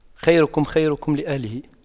خيركم خيركم لأهله